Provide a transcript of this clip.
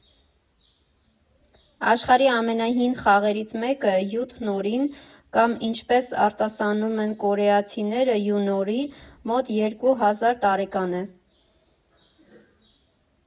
Աշխարհի ամենահին խաղերից մեկը՝ յուտ նորին (կամ, ինչպես արտասանում են կորեացիները, յունորի) մոտ երկու հազար տարեկան է։